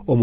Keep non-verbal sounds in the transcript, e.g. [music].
[hesitation] [hesitation]